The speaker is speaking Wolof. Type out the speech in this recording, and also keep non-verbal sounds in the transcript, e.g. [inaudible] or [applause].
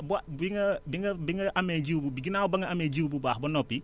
léegi boo jà boo bi nga [hesitation] bi nga amee jiw bi ginnaaw ba nga amee jiw bu baax ba noppi